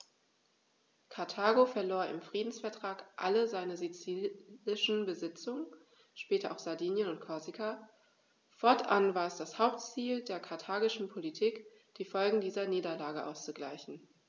Karthago verlor im Friedensvertrag alle seine sizilischen Besitzungen (später auch Sardinien und Korsika); fortan war es das Hauptziel der karthagischen Politik, die Folgen dieser Niederlage auszugleichen.